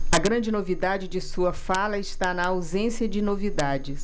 a grande novidade de sua fala está na ausência de novidades